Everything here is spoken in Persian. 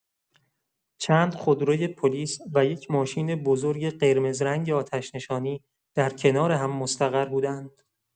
چند خودروی پلیس و یک ماشین بزرگ قرمزرنگ آتش‌نشانی در کنار هم مستقر بودند.